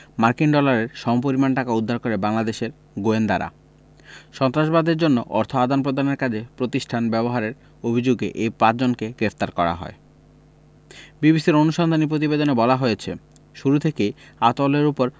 মার্কিন ডলারের সমপরিমাণ টাকা উদ্ধার করে বাংলাদেশের গোয়েন্দারা সন্ত্রাসবাদের জন্য অর্থ আদান প্রদানের কাজে প্রতিষ্ঠান ব্যবহারের অভিযোগে এই পাঁচজনকে গ্রেপ্তার করা হয় বিবিসির অনুসন্ধানী প্রতিবেদনে বলা হয়েছে শুরু থেকেই আতাউলের ওপর